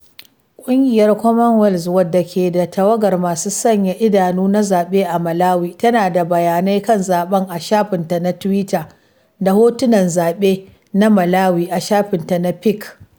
Ƙungiyar Commonwealth, wadda ke da tawagar masu sanya idanu na zaɓe a Malawi, tana da bayanai kan zaɓen a shafinta na twitter da hotunan zaɓe na Malawi a shafinta na Flickr.